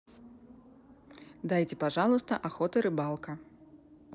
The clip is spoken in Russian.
дайте пожалуйста охота рыбалка